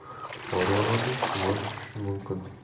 ba'zi joylarda qor yog'adi tuman tushishi mumkin